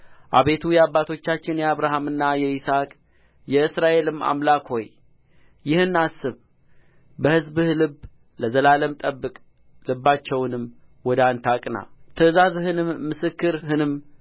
አቤቱ የአባቶቻችን የአብርሃምና የይስሐቅ የእስራኤልም አምላክ ሆይ ይህን አሳብ በሕዝብህ ልብ ለዘላለም ጠብቅ ልባቸውንም ወደ አንተ አቅና ትእዛዝህንም ምስክርህንም